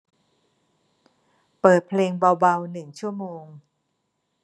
เปิดเพลงเบาเบาหนึ่งชั่วโมง